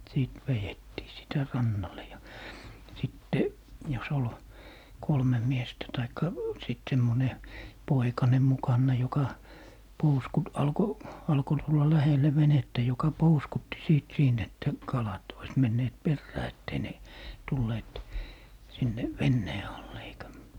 sitten vedettiin sitä rannalle ja sitten jos oli kolme miestä tai sitten semmoinen poikanen mukana joka - alkoi alkoi tulla lähelle venettä joka pouskutti siitä siitä että kalat olisi menneet perään että ei ne tulleet sinne veneen alle eikä